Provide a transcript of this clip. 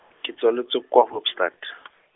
ke tsaletswe kwa Hoopstad .